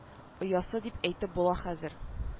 Оясы дип әйтеп була хәзер